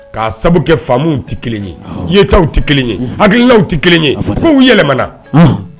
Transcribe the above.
K'a sabu kɛ faamuw tɛ kelen ye, yetaw tɛ kelen ye, hakilinaw tɛ kelen ye, kow yɛlɛma na.